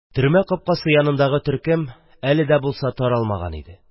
Төрмә капкасы янындагы төркем әле булса таралмаган иде